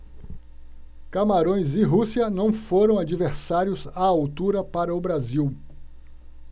camarões e rússia não foram adversários à altura para o brasil